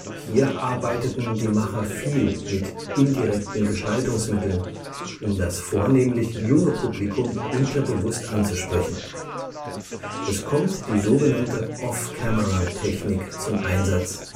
Hier arbeiteten die Macher viel mit indirekten Gestaltungsmitteln, um das vornehmlich junge Publikum unterbewusst anzusprechen. Es kommt die so genannte Off-Camera-Technik zum Einsatz